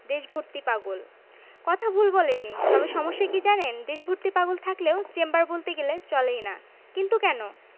দেশভর্তি পাগল কথা ভুল বলেননি তবে সমস্যা কি জানেন দেশভর্তি পাগল থাকলেও চেম্বার বলতে গেলে চলেই না কিন্তু কেন